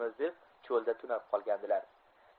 deb cho'lda tunab qolgandilar